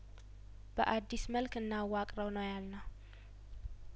በአዲስ መልክ እናዋቅረው ነው ያልነው